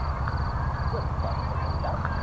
bir kayf qilmaysanmi